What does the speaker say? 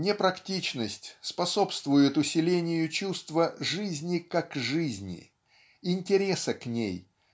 Непрактичность способствует усилению чувства жизни как жизни интереса к ней